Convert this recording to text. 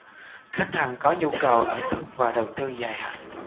khách hàng có nhu cầu ở thực và đầu tư dài hạn